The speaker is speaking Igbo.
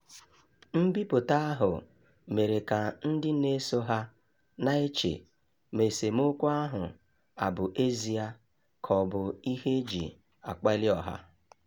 Mbipụta ahụ mere ka ndị na-eso ha na-eche ma esemokwu ahụ abụ ezịa ka ọ bụ ihe e ji akpali ọha: